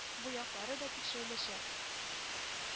Бу яклары да тикшереләчәк